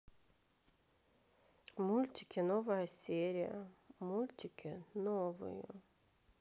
мультики новая серия мультики новые